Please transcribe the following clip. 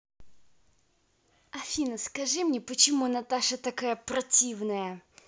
афина скажи мне почему наташа такая противная